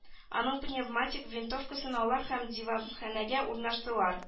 Аның пневматик винтовкасын алалар һәм дәваханәгә урнаштыралар